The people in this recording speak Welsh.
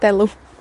Delw.